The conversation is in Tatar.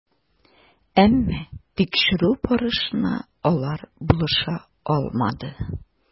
Әмма тикшерү барышына алар булыша алмады.